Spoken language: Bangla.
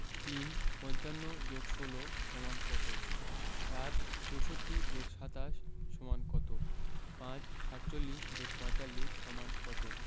৩ ৫৫ + ১৬ = কত ৪ ৬৪ + ২৭ = কত ৫ ৪৭ + ৪৫ = কত